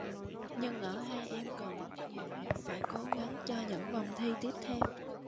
nhưng ở hai em còn rất nhiều điều phải cố gắng cho những vòng thi tiếp theo